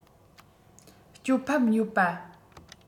གྱོད ཕམ ཡོད པ